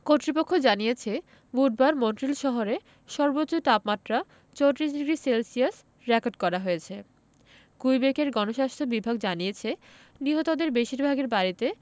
কর্তৃপক্ষ জানিয়েছে বুধবার মন্ট্রিল শহরে সর্বোচ্চ তাপমাত্রা ৩৪ ডিগ্রি সেলসিয়াস রেকর্ড করা হয়েছে কুইবেকের গণস্বাস্থ্য বিভাগ জানিয়েছে নিহতদের বেশিরভাগের বাড়িতে